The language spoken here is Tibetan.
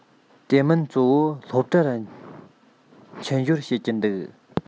དེ མིན གཙོ བོ སློབ གྲྭར ཕྱི འབྱོར བྱེད ཀྱིན འདུག